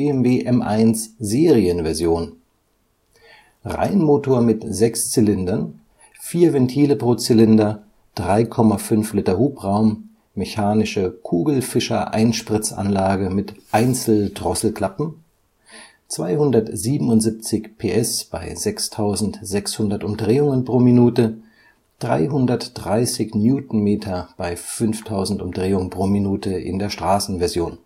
BMW M1 Serienversion: Reihenmotor mit sechs Zylindern, vier Ventile pro Zylinder, 3,5 Liter Hubraum, mechanische Kugelfischer-Einspritzanlage mit Einzeldrosselklappen, 204 kW/277 PS bei 6600/min, 330 Nm bei 5000/min (Straßenversion